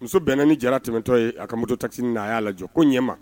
Muso bɛnna ni jara tɛmɛtɔ ye a ka muto takisi na , a ya la jɔ ko ɲɛ n ma